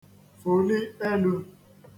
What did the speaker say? fụ̀li elū